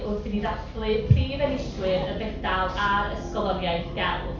Wrth i ni ddathlu prif enillwyr y Fedal a'r Ysgoloriaeth Gelf.